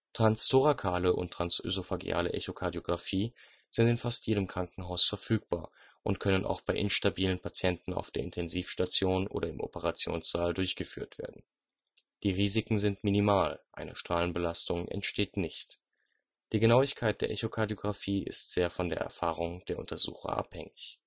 Transthorakale und transösophageale Echokardiografie sind in fast jedem Krankenhaus verfügbar und können auch bei instabilen Patienten auf der Intensivstation oder im Operationssaal durchgeführt werden. Die Risiken sind minimal, eine Strahlenbelastung entsteht nicht. Die Genauigkeit der Echokardiografie ist sehr von der Erfahrung der Untersucher abhängig